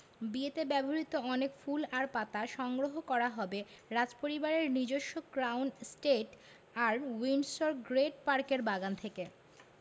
বিয়েতে ব্যবহৃত অনেক ফুল আর পাতা সংগ্রহ করা হবে রাজপরিবারের নিজস্ব ক্রাউন এস্টেট আর উইন্ডসর গ্রেট পার্কের বাগান থেকে